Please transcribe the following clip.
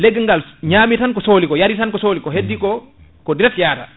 leggal ngal ñami tan ko sohli ko heddi ko ko direct hayata